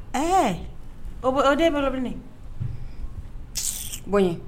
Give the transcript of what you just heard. Ɛɛ o o o den bɔra minni bɔɲɛ